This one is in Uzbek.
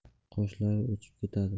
qoshlari uchib ketadi